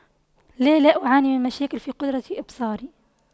لا لا أعاني من مشاكل في قدرة إبصاري